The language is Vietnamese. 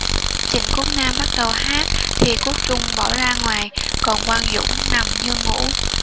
trịnh quốc nam bắt đầu hát thì quốc trung bỏ ra ngoài còn quang dũng nằm như ngủ